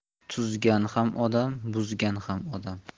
tuzgan ham odam buzgan ham odam